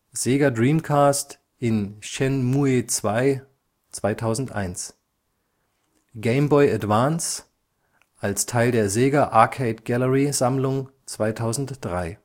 Sega Dreamcast, in Shenmue II (2001) Game Boy Advance, als Teil der Sega Arcade Gallery Sammlung (2003